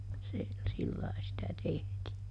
se sillä lailla sitä tehtiin